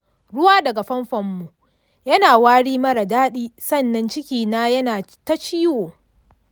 ruwa daga famfon mu yana wari mara daɗi sannan ciki na yana ta ciwo.